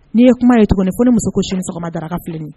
N'i ye kuma ye tuguni fo ne muso ko sini sɔgɔma daraka filɛ ni ye